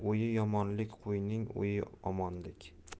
qo'yning o'yi omonlik